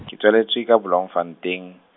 ke tswaletswe ka Bloemfontein.